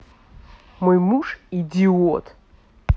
мой муж идиот